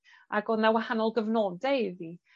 ag odd 'na wahanol gyfnode iddi.